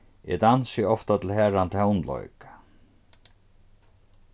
eg dansi ofta til harðan tónleik